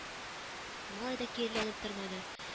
Малай да киреләнеп тормады